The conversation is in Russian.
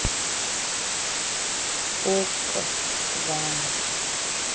окко жанр